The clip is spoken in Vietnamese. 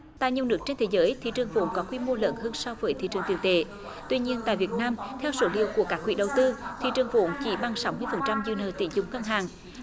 tại nhiều nước trên thế giới thị trường vốn có quy mô lớn hơn so với thị trường tiền tệ tuy nhiên tại việt nam theo số liệu của các quỹ đầu tư thị trường vốn chỉ bằng sáu mươi phần trăm dư nợ tín dụng ngân hàng